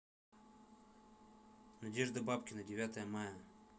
надежда бабкина девятое мая